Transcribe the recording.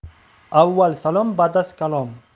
avval salom bad'az kalom